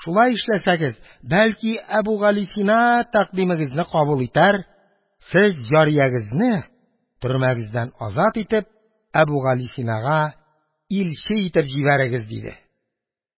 Шулай эшләсәгез, бәлки, Әбүгалисина тәкъдимегезне кабул итәр, сез җариягезне, төрмәдән азат итеп, Әбүгалисинага илче итеп җибәрегез, – диде.